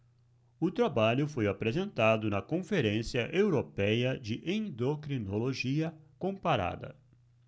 o trabalho foi apresentado na conferência européia de endocrinologia comparada